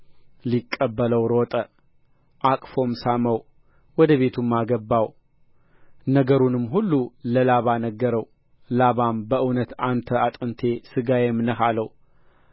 ሊቀበለው ሮጠ አቅፎም ሳመው ወደ ቤቱም አገባው ነገሩንም ሁሉ ለላባ ነገረው ላባም በእውነት አንተ አጥንቴ ሥጋዬም ነህ አለው